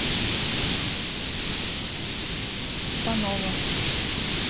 панова